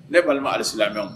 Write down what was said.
Ne'a ali lamɛn